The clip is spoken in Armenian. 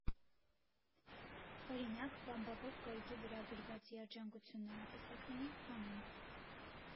Օրինակ՝ բամբակով գորգի վրա գրված «Երջանկություն նորապսակներին» ֆոնին։